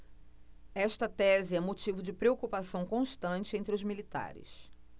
esta tese é motivo de preocupação constante entre os militares